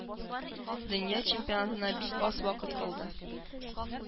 Дөнья Чемпионатына бик аз вакыт калды.